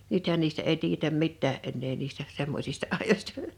nythän niistä ei tiedetä mitään enää niistä semmoisista ajoista